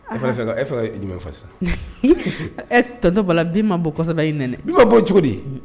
E fana fɛ e jumɛn fa e tɔtɔ bala den ma bɔsada i nɛnɛ ma bɔ cogo di